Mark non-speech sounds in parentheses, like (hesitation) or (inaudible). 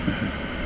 (hesitation) (hesitation) (noise)